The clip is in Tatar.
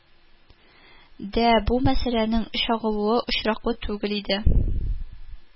Дә бу мәсьәләнең чыгарылуы очраклы түгел иде